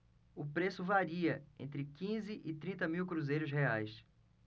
o preço varia entre quinze e trinta mil cruzeiros reais